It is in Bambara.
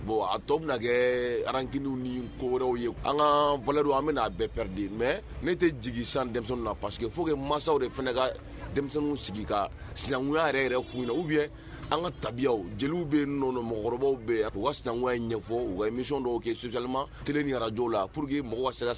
Bon a tɔ bɛ kɛ arakiw ni kow ye an kalɛdon an bɛa bɛɛ pɛ de mɛ ne tɛ jigin san na parce que fo masaw de fana ka denmisɛnnin sigi ka sankuya yɛrɛ yɛrɛ f'u u bi an ka tabiya jeliw bɛ nɔn mɔgɔkɔrɔbabaww bɛ wakuya ɲɛfɔ wa mi dɔwlima kelen ni araj la p walasaur que mɔgɔ